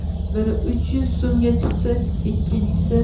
biri uch yuz o'n so'mga chiqdi